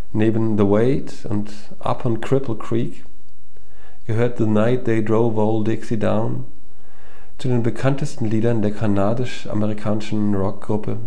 Neben The Weight und Up on Cripple Creek gehört The Night They Drove Old Dixie Down zu den bekanntesten Liedern der kanadisch-amerikanischen Rockgruppe